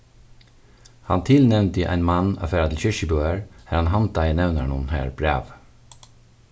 hann tilnevndi ein mann at fara til kirkjubøar har hann handaði nevnaranum har brævið